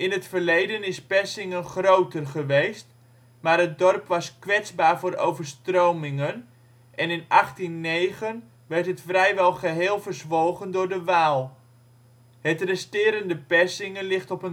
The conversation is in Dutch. het verleden is Persingen groter geweest, maar het dorp was kwetsbaar voor overstromingen en in 1809 werd het vrijwel geheel verzwolgen door de Waal. Het resterende Persingen ligt op